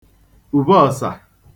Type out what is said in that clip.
ùbeọ̀sà